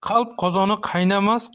qalb qozoni qaynamas